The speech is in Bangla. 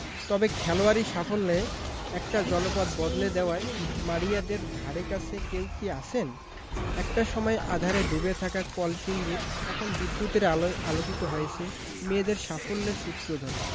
তবে খেলোয়াড়ি সাফল্যে একটা জনপদ বদলে দেওয়ায় মারিয়াদের ধারেকাছে কেউ কি আছেন একটা সময়ে আঁধারে ডুবে থাকা কলসিন্দুর এখন বিদ্যুতের আলোয় আলোকিত হয়েছে মেয়েদের সাফল্যের সূত্র ধরেই